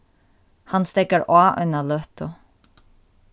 hann steðgar á eina løtu